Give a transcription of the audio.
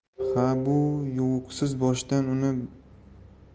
ha bu yuvuqsiz boshidan